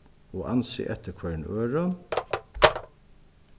og ansið eftir hvørjum øðrum